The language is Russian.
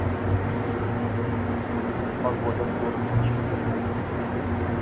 погода в городе чистополе